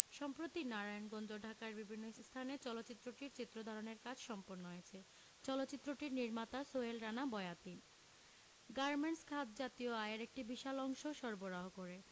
সম্প্রতি নারায়ণগঞ্জ ও ঢাকার বিভিন্ন স্থানে চলচ্চিত্রটির চিত্র ধারণের কাজ সম্পন্ন হয়েছে চলচ্চিত্রটির নির্মাতা সোহেল রানা বয়াতি গার্মেন্টস খাত জাতীয় আয়ের একটি বিশাল অংশ সরবরাহ করে